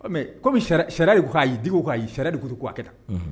Oui mais comme sariya sariya de ko ayi, Diko ko ayi, sariya de ko, ko. k'a. kɛ tan. Unhun.